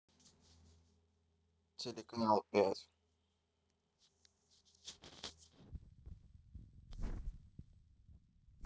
телеканал пять